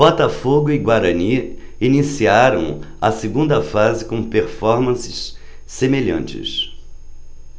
botafogo e guarani iniciaram a segunda fase com performances semelhantes